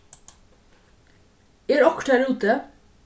er okkurt har úti